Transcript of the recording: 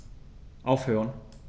Aufhören.